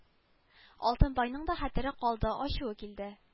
Алтынбайның да хәтере калды ачуы килде